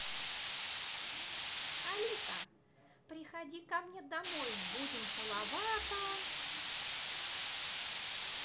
алиса приходи ко мне домой будем салавата